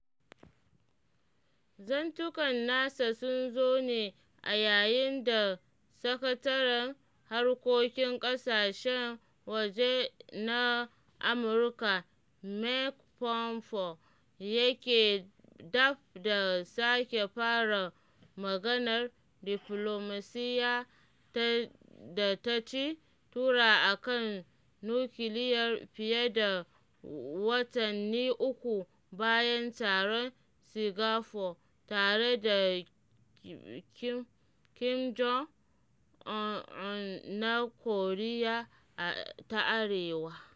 Zantukan nasa sun zo ne a yayin da Sakataren Harkokin Ƙasashen Waje na Amurka Mike Pompeo yake dab da sake fara maganar diflomasiyyar da ta ci tura a kan nukiliyar fiye da watanni uku bayan taron Singapore tare da Kim Jong Un na Koriya ta Arewa.